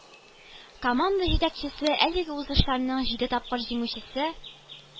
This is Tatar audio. Команда җитәкчесе, әлеге узышларның җиде тапкыр җиңүчесе